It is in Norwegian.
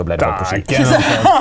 dægern altså.